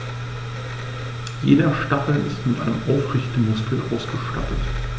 Jeder Stachel ist mit einem Aufrichtemuskel ausgestattet.